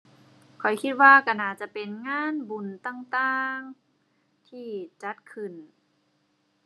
ข้อยคิดว่าก็น่าจะเป็นงานบุญต่างต่างที่จัดขึ้น